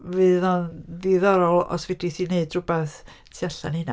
Fydd o'n ddiddorol os fedrith hi wneud rhywbeth tu allan i hynna.